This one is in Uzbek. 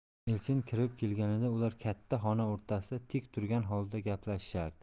elchin kirib kelganida ular katta xona o'rtasida tik turgan holda gaplashishardi